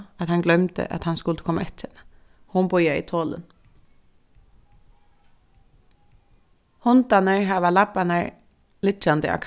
at hann gloymdi at hann skuldi koma eftir henni hon bíðaði tolin hundarnir hava labbarnar liggjandi á